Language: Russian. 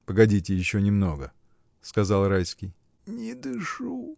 — Погодите еще немного, — сказал Райский. — Не дышу!